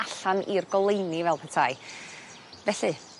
allan i'r goleuni fel petai. Felly